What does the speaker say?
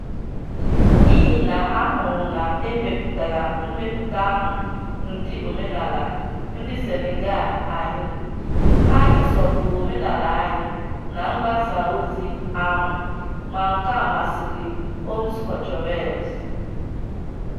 N'ịhị na ha hụrụ na e mepụtara mmepụta ahụ n'ụdị omenala ndị Senegal anyị ... anyị sọpụụrụ omenala anyị na mgbasaozi ahụ ma nke a masịrị "hommes culturels".